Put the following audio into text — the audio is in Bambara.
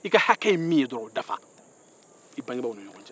i hakɛ dafa dɔrɔn bangebaaw ni ɲɔgɔn cɛ